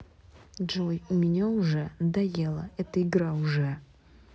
джой у меня уже надоела эта игра уже